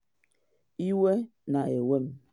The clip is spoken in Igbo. Iwe na ewe m.”